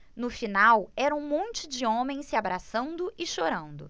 no final era um monte de homens se abraçando e chorando